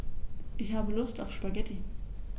Ich habe Lust auf Spaghetti.